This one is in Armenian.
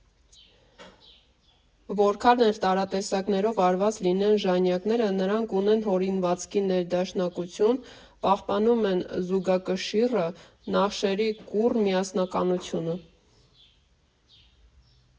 Որքան էլ տարատեսակներով արված լինեն ժանյակները, նրանք ունեն հորինվածքի ներդաշնակություն, պահպանում են զուգակշիռը, նախշերի կուռ միասնականությունը։